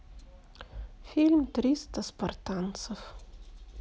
фильм триста спартанцев